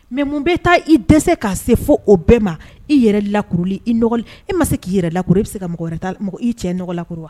Mais mun be taa i dɛsɛ k'a se fo o bɛɛ ma i yɛrɛ lakuruli i nɔgɔl e ma se k'i yɛrɛ lakuru e be se ka mɔgɔ wɛrɛ ta l mɔgɔ i cɛ nɔgɔ lakuru wa